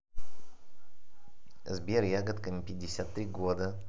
сбер ягодками пятьдесят три года